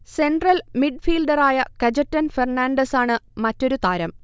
central മിഡ്ഫീൽഡറായ കജെറ്റൻ ഫെർണാണ്ടസാണ് മറ്റൊരു താരം